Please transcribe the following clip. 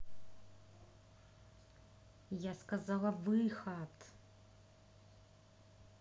я сказала выход